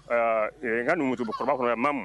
N katukɔrɔba kɔnɔ ma ma